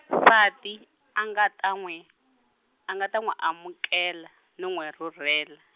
nsati, a nga ta n'wi, a nga ta n'wi amukela, no n'wi rhurhela.